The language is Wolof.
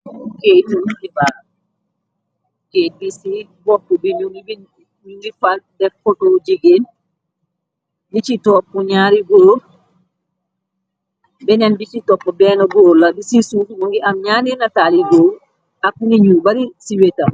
Kayit ti xibaar, kayit bi ci boppu bi ñu ngi falter foto jigeen, bi ci toppu ñaari góor, beneen bi ci topp benne goor la, bi ci suuf mu ngi am ñaare nataali góor, ak ni ñu bari ci wetam.